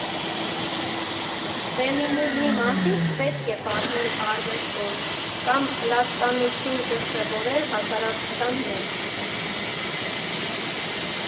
Ֆեմինիզմի մասին չպետք է «պատմել» արվեստում, կամ լացկանություն դրսևորել հասարակության մեջ։